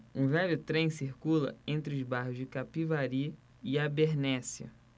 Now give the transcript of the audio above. um velho trem circula entre os bairros de capivari e abernéssia